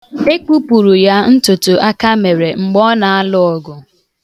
E kpupuru ya ntụtụakamere mgbe ọ na-alụ ọgụ.